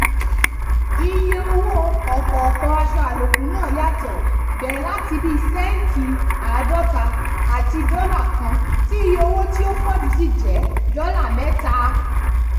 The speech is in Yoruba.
Iye owó ọ̀kọ̀ọ̀kan aṣọ àlòkù náà yàtọ̀ bẹ̀rẹ̀ láti bíi sẹ́ǹtì 50 àti $1 tí iye owó tí ó pọ̀ jù sì jẹ́ $3.